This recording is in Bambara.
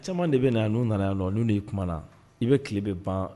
Caman de bɛna na n'u nana la n'' kuma na i bɛ tile bɛ ban